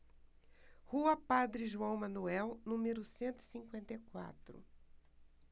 rua padre joão manuel número cento e cinquenta e quatro